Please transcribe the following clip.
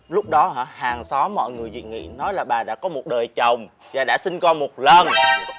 lúc đó hả họ hàng xóm mọi người dị nghị nói là bà đã có một đời chồng và đã sinh con một lần